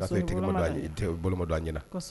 A bolo da a ɲɛna